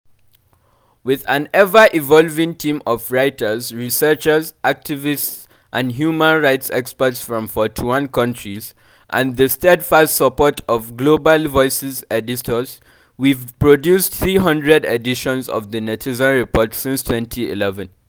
With an ever-evolving team of writers, researchers, activists and human rights experts from 41 countries (full list below) and the steadfast support of Global Voices editors, we’ve produced 300 editions of the Netizen Report since 2011.